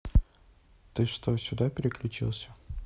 ты что сюда переключился